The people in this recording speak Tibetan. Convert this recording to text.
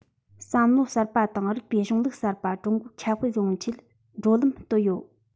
བསམ བློ གསར པ དང རིགས པའི གཞུང ལུགས གསར པ ཀྲུང གོར ཁྱབ སྤེལ ཡོང ཆེད འགྲོ ལམ གཏོད ཡོད